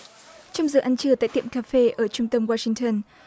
trong giờ ăn trưa tại tiệm cà phê ở trung tâm oa sinh tơn